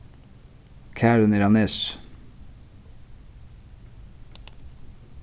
karin er av nesi